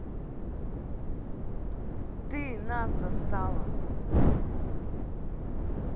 ты нас достала